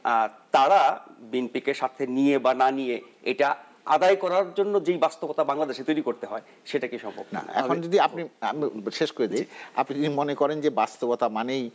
তারা বিএনপিকে সাথে নিয়ে বানান নিয়ে এটা আদায় করার জন্য যে বাস্তবতা বাংলাদেশে তৈরি করতে হয় সেটা কি সম্ভব কিনা না এখন যদি আমি শেষ করে দি আপনি যদি মনে করেন যে বাস্তবতা মানেই